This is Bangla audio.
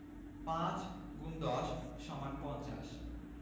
৫×১০ = ৫০